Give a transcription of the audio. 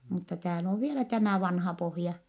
mutta täällä on vielä tämä vanha pohja